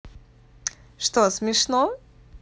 что смешно